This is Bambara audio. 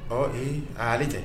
Ɔ ee a ale tɛ